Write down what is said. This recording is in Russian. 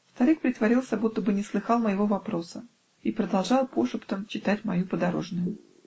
Старик притворился, будто бы не слыхал моего вопроса, и продолжал пошептом читать мою подорожную.